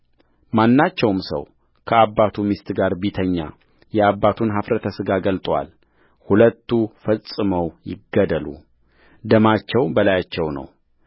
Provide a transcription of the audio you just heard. ማናቸውም ሰው ከአባቱ ሚስት ጋር ቢተኛ የአባቱን ኃፍረተ ሥጋ ገልጦአል ሁለቱ ፈጽመው ይገደሉ ደማቸው በላያቸው ነው